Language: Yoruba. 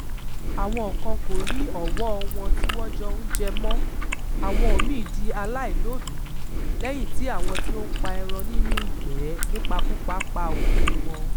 Àwọn kan kò rí ọ̀wọ́ọ wọn tí wọ́n jọ ń jẹ̀ mọ́, àwọn mìíì di aláìlóbìíi lẹ́yìn tí àwọn tí ó ń pa ẹran nínú ìgbẹ́ nípakúpa pa òbíi wọn.